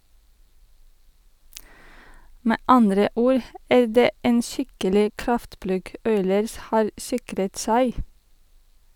Med andre ord er det en skikkelig kraftplugg Oilers har sikret seg.